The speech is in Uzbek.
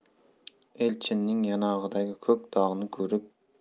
elchinning yonog'idagi ko'k dog'ni ko'rib